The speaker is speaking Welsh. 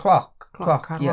Cloc, cloc ia.